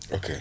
ok